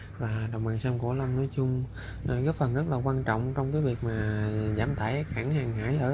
và đồng bằng sông cửu long nói chung là nước và nước là quan trọng trong tiếng việt mà giảm tải ảnh hàng hải